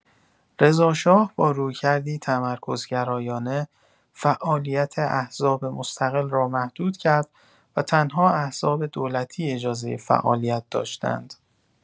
رضاشاه با رویکردی تمرکزگرایانه، فعالیت احزاب مستقل را محدود کرد و تنها احزاب دولتی اجازه فعالیت داشتند.